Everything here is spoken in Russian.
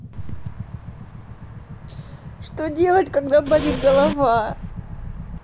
что делать когда болит голова